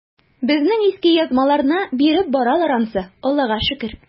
Безнең иске язмаларны биреп баралар ансы, Аллага шөкер.